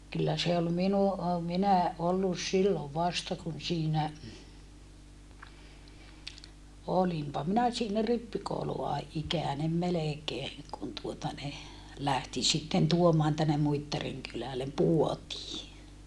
kyllä se oli minun - minä ollut silloin vasta kun siinä olinpa minä siinä rippikoulua ikäinen melkein kun tuota ne lähti sitten tuomaan tänne Muittarin kylälle puotiin